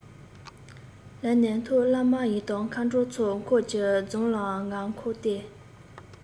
ལར ནས མཐོ བླ མ ཡི དམ མཁའ འགྲོའི ཚོགས འཁོར གྱི རྫས ལའང ང འཁོར སྟེ